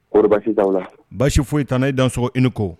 Koɔri la baasi foyisi tɛna n' i dan s i ni ko